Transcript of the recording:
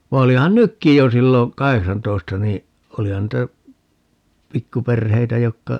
vaan olihan nytkin jo silloin kahdeksantoista niin olihan niitä pikkuperheitä jotka